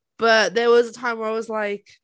but there was a time where I was like...